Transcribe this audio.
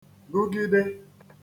gụgidē